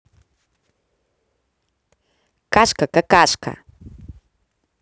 кашка какашка